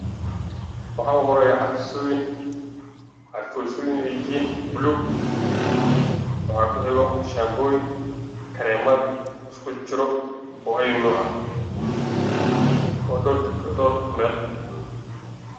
Waxaa ugu horeeyo carbisooyin buluu gadaal ka ah afka horena caddaanka oo aada u qurxo shaambooyin iyo kareemo isku jiro